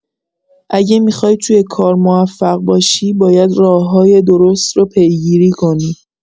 اگه می‌خوای توی کار موفق باشی، باید راه‌های درست رو پیگیری کنی.